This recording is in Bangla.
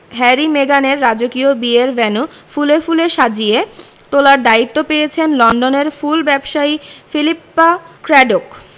হ্যারি মেগানের রাজকীয় বিয়ের ভেন্যু ফুলে ফুলে সাজিয়ে তোলার দায়িত্ব পেয়েছেন লন্ডনের ফুল ব্যবসায়ী ফিলিপ্পা ক্র্যাডোক